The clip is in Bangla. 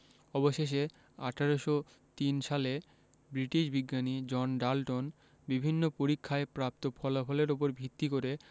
অবশেষে ১৮০৩ সালে ব্রিটিশ বিজ্ঞানী জন ডাল্টন বিভিন্ন পরীক্ষায় প্রাপ্ত ফলাফলের উপর ভিত্তি করে